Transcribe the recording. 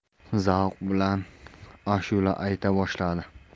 zavq bilan ashula ayta boshladi